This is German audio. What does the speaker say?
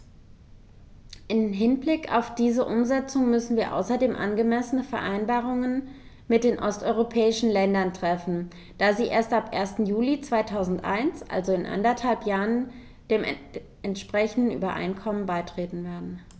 Im Hinblick auf diese Umsetzung müssen wir außerdem angemessene Vereinbarungen mit den osteuropäischen Ländern treffen, da sie erst ab 1. Juli 2001, also in anderthalb Jahren, den entsprechenden Übereinkommen beitreten werden.